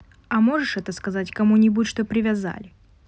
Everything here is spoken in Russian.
а можешь это сказать кому нибудь чтоб привязали